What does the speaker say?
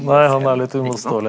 nei han er litt uimotståelig.